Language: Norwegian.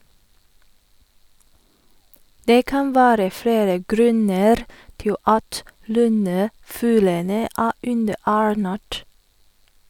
- Det kan være flere grunner til at lundefuglene er underernært.